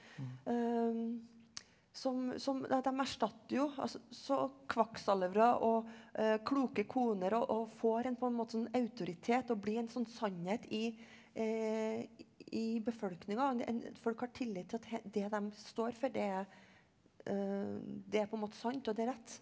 som som nei at dem erstatter jo altså så kvakksalvere og kloke koner og og får en på en måte sånn autoritet og blir en sånn sannhet i i i befolkninga folk har tillit til at det dem står for det er det er på en måte sant og det er rett.